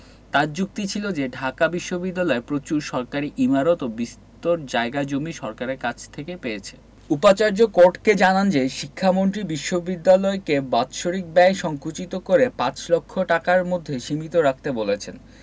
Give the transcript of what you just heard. তাঁর যুক্তি ছিল যে ঢাকা বিশ্ববিদ্যালয় প্রচুর সরকারি ইমারত ও বিস্তর জায়গা জমি সরকারের কাছ থেকে পেয়েছে উপাচার্য কোর্টকে জানান যে শিক্ষামন্ত্রী বিশ্ববিদ্যালয়কে বাৎসরিক ব্যয় সংকুচিত করে পাঁচ লক্ষ টাকার মধ্যে সীমিত রাখতে বলেছেন